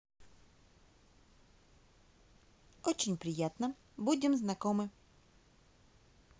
очень приятно будем знакомы